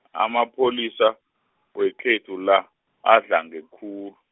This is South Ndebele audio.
amapholisa, wekhethu la, adlange khu-.